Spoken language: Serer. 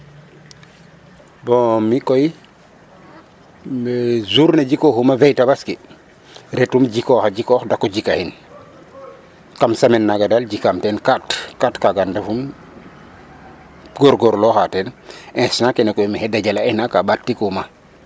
Bon mi' koy journée jikooxuma veille tabaski retum jikooxaa, jikoox dak o jikahin kam semaine naaga daal jikaam teen 4 4 kaaga ndefu goorgoorlooxa teen instant kene koy maxey dajale'a ka ɓaatikuma.